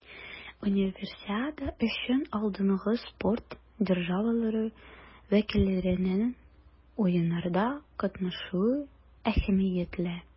Универсиада өчен алдынгы спорт державалары вәкилләренең Уеннарда катнашуы әһәмиятле.